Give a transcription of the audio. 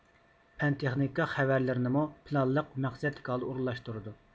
پەن تېخنىكا خەۋەرلىرىنىمۇ پىلانلىق مەقسەتلىك ھالدا ئورۇنلاشتۇرىدۇ